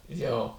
joo